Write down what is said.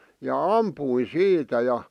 ja ammuin siitä ja